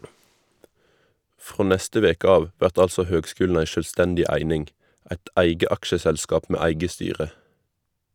Frå neste veke av vert altså høgskulen ei sjølvstendig eit eige aksjeselskap med eige styre.